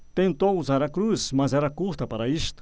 tentou usar a cruz mas era curta para isto